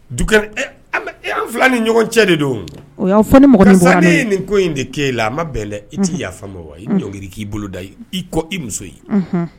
Dugu an fila ni ɲɔgɔn cɛ de don ye nin ko in de ke la an ma bɛɛ i t tɛ yafa wa i k'i bolo da i kɔ i muso ye